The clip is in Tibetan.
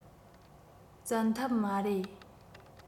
བཙན ཐབས མ རེད